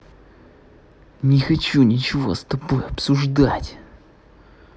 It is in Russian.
не хочу ничего с тобой обсуждать